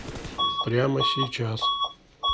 прямо сейчас